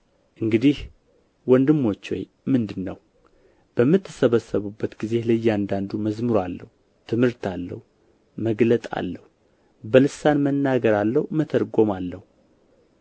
እንግዲህ ወንድሞች ሆይ ምንድር ነው በምትሰበሰቡበት ጊዜ ለእያንዳንዱ መዝሙር አለው ትምህርት አለው መግለጥ አለው በልሳን መናገር አለው መተርጐም አለው